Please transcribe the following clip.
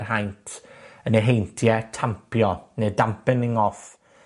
haint, yn yr heintie tampio, ne' dampening off